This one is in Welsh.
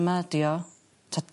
...ma ydi o. 'Ta...